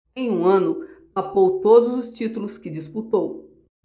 em um ano papou todos os títulos que disputou